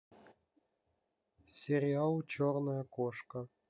сериал черная кошка